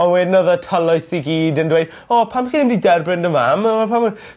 on' wedyn odd y tylwyth i gyd yn dweud o pam chi ddim 'di derbyn dy mam a ma' pawb yn myn'